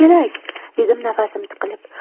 kerak dedim nafasim tiqilib